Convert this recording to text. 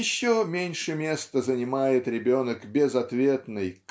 Еще меньше места занимает ребенок безответной